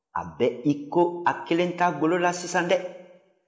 a bɛ iko a kelen t'a golo la sisan dɛ